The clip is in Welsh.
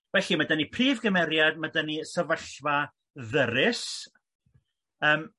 Felly ma' 'da ni prif gymeriad ma' 'da ni sefyllfa ddyrus yym.